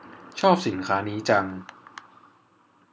ชอบสินค้านี้จัง